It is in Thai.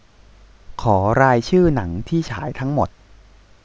ขอรายชื่อหนังที่ฉายทั้งหมด